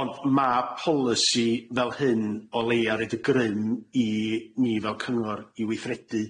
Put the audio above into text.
Ond ma' polisi fel hyn o leia roid y gryn i ni fel cyngor i weithredu